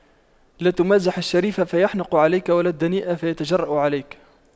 لا تمازح الشريف فيحنق عليك ولا الدنيء فيتجرأ عليك